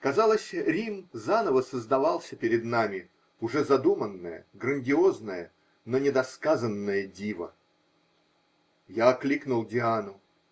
Казалось, Рим заново создавался перед нами, уже задуманное, грандиозное, но недосказанное диво. Я окликнул Диану